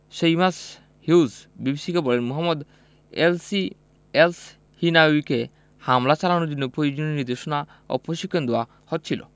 Seamus Hughes বিবিসিকে বলেন Mohammad এলসহি এলসহিনাউয়িকে হামলা চালানোর জন্য প্রয়োজনীয় নির্দেশনা ও প্রশিক্ষণ দেওয়া হচ্ছিল